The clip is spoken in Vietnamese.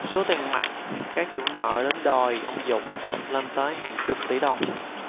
số tiền mặt các chủ nợ đến đòi ông dũng lên tới hàng chục tỷ đồng